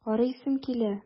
Карыйсым килә!